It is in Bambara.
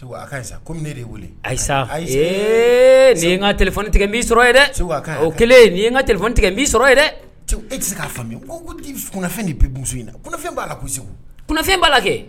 Ayisa kɔmi weele ayi ayi nin n ka tigɛ n sɔrɔ o kɛlen nin n ka t tigɛ n sɔrɔ ye dɛ e tɛ se'fɛn de bɛ in b'a la segufɛn b'a la kɛ